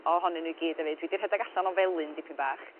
ohonyn n'w i gyd efyd dwi 'di rhedeg allan o felyn dipyn bach.